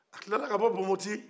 a tilara ka bɔ bonboti